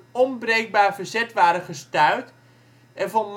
onbreekbaar verzet waren gestuit en Von Manteuffel